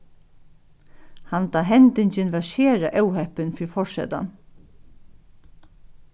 handa hendingin var sera óheppin fyri forsetan